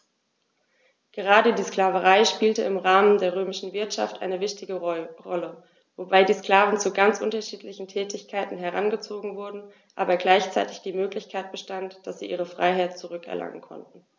Gerade die Sklaverei spielte im Rahmen der römischen Wirtschaft eine wichtige Rolle, wobei die Sklaven zu ganz unterschiedlichen Tätigkeiten herangezogen wurden, aber gleichzeitig die Möglichkeit bestand, dass sie ihre Freiheit zurück erlangen konnten.